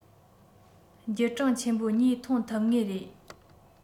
འགྱུར གྲངས ཆེན པོ གཉིས ཐོན ཐུབ ངེས རེད